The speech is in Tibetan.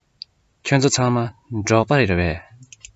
ཁྱེད ཚོ ཚང མ འབྲོག པ རེད